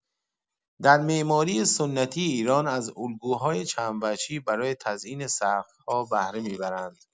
در معماری سنتی ایران از الگوهای چندوجهی برای تزئین سقف‌ها بهره می‌بردند.